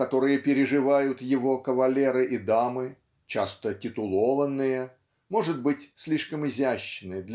которые переживают его кавалеры и дамы часто титулованные может быть слишком изящны